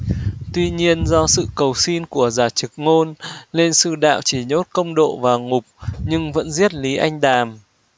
tuy nhiên do sự cầu xin của giả trực ngôn nên sư đạo chỉ nhốt công độ vào ngục nhưng vẫn giết lý anh đàm